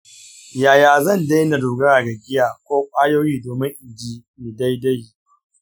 yaya zan daina dogara ga giya ko ƙwayoyi domin in ji ni daidai?